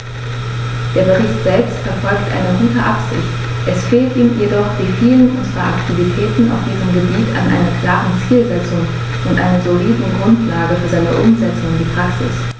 Der Bericht selbst verfolgt eine gute Absicht, es fehlt ihm jedoch wie vielen unserer Aktivitäten auf diesem Gebiet an einer klaren Zielsetzung und einer soliden Grundlage für seine Umsetzung in die Praxis.